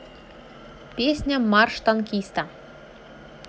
песня марш танкиста